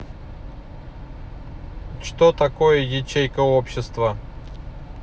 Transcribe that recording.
что такое ячейка общества